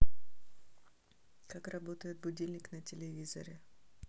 как работает будильник на телевизоре